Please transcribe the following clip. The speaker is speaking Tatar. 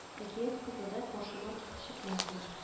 Әкият кызыдай каршыма килеп чыкмасмы